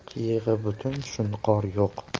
qiyog'i butun shunqor yo'q